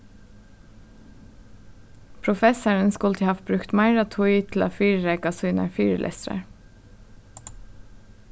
professarin skuldi havt brúkt meira tíð til at fyrireika sínar fyrilestrar